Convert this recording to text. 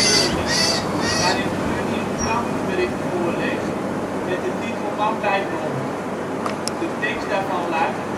Ernie waarin Ernie een krantenbericht voorleest met de titel " Man bijt hond ". De tekst daarvan luidt: